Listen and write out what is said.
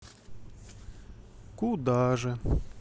куда же